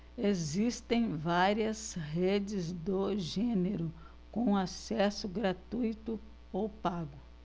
existem várias redes do gênero com acesso gratuito ou pago